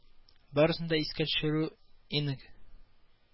Барысын да искә төшерү инг